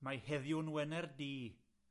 mae heddiw'n Wener Du